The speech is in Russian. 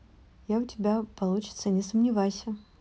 я у тебя получиться не сомневайся